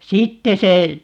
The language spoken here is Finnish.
sitten se